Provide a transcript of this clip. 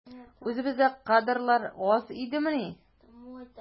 Үзебездә кадрлар аз идемени?